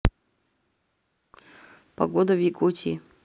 погода в якутии